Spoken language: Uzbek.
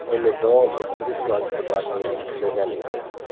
davom ettirish majburiyatini yuklagan edi